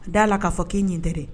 D'a la k'a fɔ k'i ɲin tɛ dɛ.